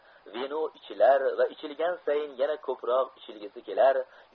vino ichilar va ichilgan sayin yana ko'prok ichilgisi kelar